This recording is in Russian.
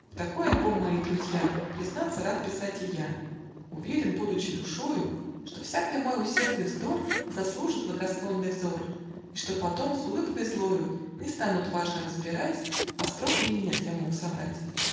В такой альбом, мои друзья, Признаться, рад писать и я, Уверен будучи душою, Что всякий мой усердный вздор Заслужит благосклонный взор И что потом с улыбкой злою Не станут важно разбирать, Остро иль нет я мог соврать.